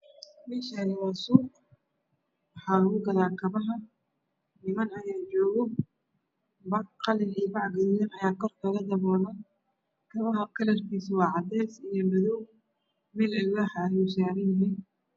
Meshani waa suuq waxa Lugu gadaa kabaha niman ayaajoga bakad iyo bacqalin ah ayaakor uga dabolan kowaha kalarkisa waa cades iyo madow Mel Alwax ah ayusaranyahay